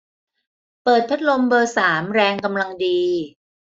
เปิดพัดลมเบอร์สามแรงกำลังดี